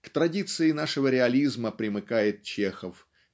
К традиции нашего реализма примыкает Чехов